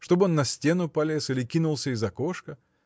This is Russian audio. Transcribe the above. чтоб он на стену полез или кинулся из окошка?